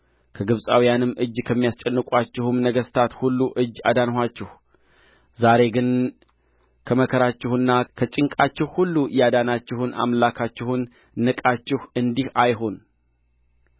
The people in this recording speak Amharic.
ከግብጻውያንም እጅ ከሚያስጨንቁአችሁም ነገሥታት ሁሉ እጅ አዳንኋችሁ ዛሬ ግን ከመከራችሁና ከጭንቃችሁ ሁሉ ያዳናችሁን አምላካችሁን ንቃችሁ እንዲህ አይሁን